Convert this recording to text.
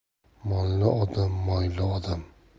molli odam moyli odam